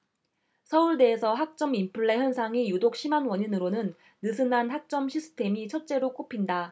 서울대에서 학점 인플레 현상이 유독 심한 원인으로는 느슨한 학점 시스템이 첫째로 꼽힌다